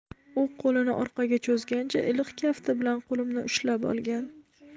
u qo'lini orqaga cho'zgancha iliq kafti bilan qo'limni ushlab olgan